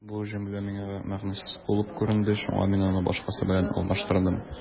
Бу җөмлә миңа мәгънәсез булып күренде, шуңа мин аны башкасы белән алмаштырдым.